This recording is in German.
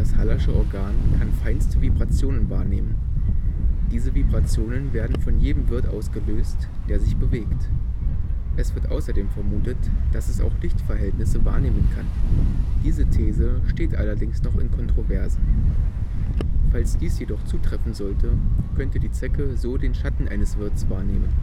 Hallersche Organ kann feinste Vibrationen wahrnehmen. Diese Vibrationen werden von jedem Wirt ausgelöst, der sich bewegt. Es wird außerdem vermutet, dass es auch Lichtverhältnisse wahrnehmen kann; diese These steht allerdings noch in Kontroverse. Falls dies jedoch zutreffen sollte, könnte die Zecke so den Schatten eines Wirts wahrnehmen